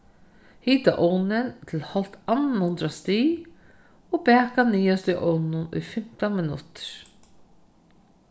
hita ovnin til hálvt annað hundrað stig og baka niðast í ovninum í fimtan minuttir